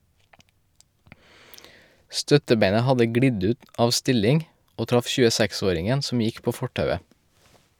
Støttebeinet hadde glidd ut av stilling, og traff 26-åringen som gikk på fortauet.